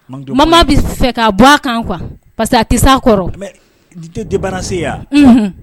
J bɛ fɛ ka bɔ a kan qu parce a tɛ' kɔrɔse yan